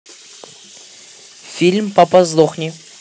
фильм папа сдохни